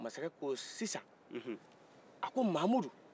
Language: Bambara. masakɛ ko sisan nhun a ko mamudu